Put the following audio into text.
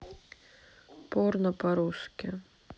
порно по русски